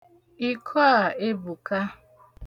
Iko a ebuka.